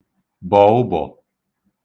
bọ̀ ụbọ̀